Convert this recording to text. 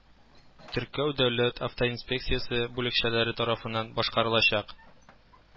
Теркәү Дәүләт автоинспекциясе бүлекчәләре тарафыннан башкарылачак